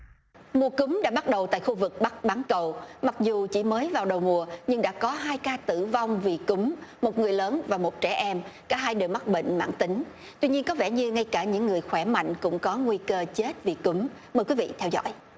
mùa cúm đã bắt đầu tại khu vực bắc bán cầu mặc dù chỉ mới vào đầu mùa nhưng đã có hai ca tử vong vì cúm một người lớn và một trẻ em cả hai đều mắc bệnh mãn tính tuy nhiên có vẻ như ngay cả những người khỏe mạnh cũng có nguy cơ chết vì cúm mời quý vị theo dõi